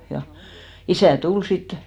ja isä tuli sitten